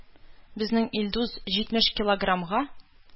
Безнең Илдус җитмеш килограммга